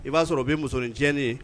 I b'a sɔrɔ bɛ musoninc ye